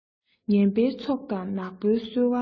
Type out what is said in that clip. ངན པའི ཚོགས དང ནག པོའི སོལ བ འདྲ